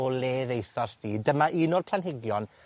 o le ddaethost di, dyma un o'r planhigion